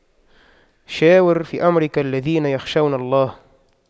شاور في أمرك الذين يخشون الله